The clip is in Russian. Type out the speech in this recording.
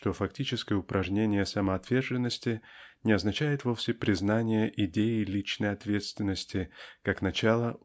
что фактическое упражнение самоотверженности не означает вовсе признания идеи личной ответственности как начала